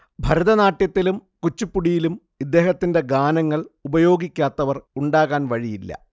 ഭരതനാട്യത്തിലും കുച്ചിപ്പുടിയിലും ഇദ്ദേഹത്തിന്റെ ഗാനങ്ങൾ ഉപയോഗിക്കാത്തവർ ഉണ്ടാകാൻ വഴിയില്ല